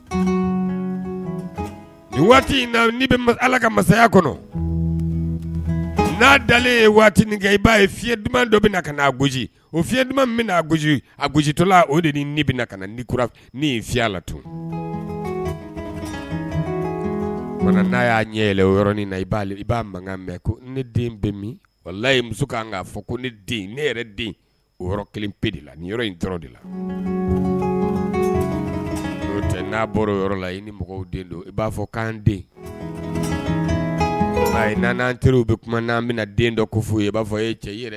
In ala ka masaya n' kɛ i b'a ye fi dɔa gosi oa gosi a fiya la tun n'a y'a ɲɛ yɛlɛ o yɔrɔ na'a ne den bɛ min wala ye muso kan fɔ ko ne ne den o kelen de la ni yɔrɔ in tɔɔrɔ de la n'a yɔrɔ la i ni mɔgɔw don i b'a fɔ' den teri bɛ kuma'an bɛna den dɔ ko fɔ i b'a fɔ cɛ i yɛrɛ ye